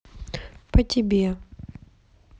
по тебе